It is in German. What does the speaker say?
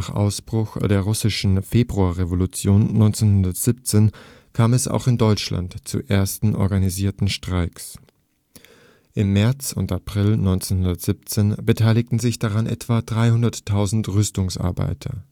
Ausbruch der russischen Februarrevolution 1917 kam es auch in Deutschland zu ersten organisierten Streiks. Im März und April 1917 beteiligten sich daran etwa 300.000 Rüstungsarbeiter